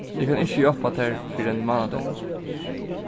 eg kann ikki hjálpa tær fyrr enn mánadagin